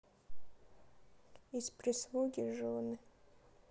из прислуги жены